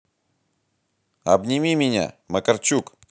обними меня макарчук